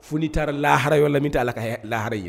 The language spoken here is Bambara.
Fo nin taara lahara yɛrɛ la min ta Ala ka lahara ye.